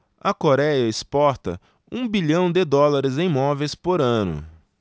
a coréia exporta um bilhão de dólares em móveis por ano